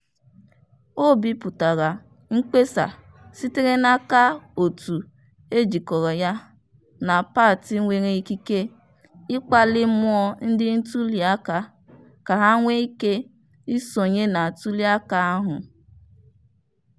O bipụtara mkpesa sitere n'aka òtù e jikọrọ ya na pati nwere ikike ịkpali mmụọ ndị ntuliaka ka ha nwee ike isonye na ntuli aka ahụ